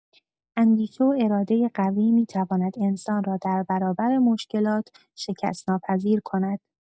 اندیشه و اراده قوی می‌تواند انسان را در برابر مشکلات شکست‌ناپذیر کند.